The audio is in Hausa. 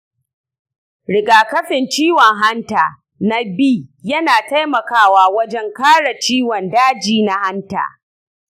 rigakafin ciwon hanta na b yana taimakawa wajen kare ciwon daji na hanta.